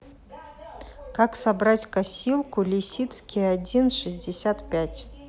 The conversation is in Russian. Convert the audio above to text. как собрать косилку лисицкий один шестьдесят пять